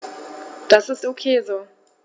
Das ist ok so.